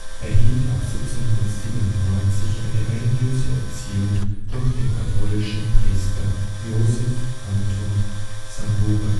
erhielt ab 1797 eine religiöse Erziehung durch den katholischen Priester Joseph Anton Sambuga